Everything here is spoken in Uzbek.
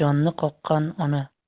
jonni qoqqan ona